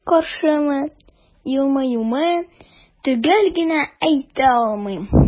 Күз карашымы, елмаюмы – төгәл генә әйтә алмыйм.